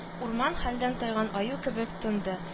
Урман хәлдән тайган аю кебек тынды